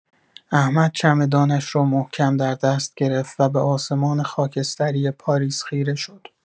احمد چمدانش را محکم در دست گرفت و به آسمان خاکستری پاریس خیره شد.